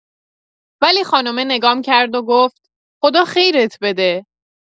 ولی خانمه نگام کرد و گفت: خدا خیرت بده.